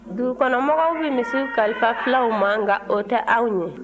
dugukɔnɔmɔgɔw bɛ misiw kalifa fulaw ma nka o tɛ anw ye